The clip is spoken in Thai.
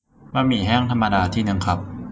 บะหมี่แห้งธรรมดาที่นึงครับ